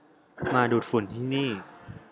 มาดูดฝุ่นที่นี่